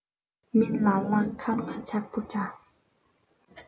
མི ལ ལ མཁར རྔ ཆག པོ འདྲ